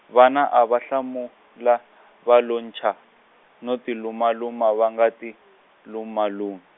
vana a va hlamula va lo nchaa, no tilumaluma va nga tilumalumi.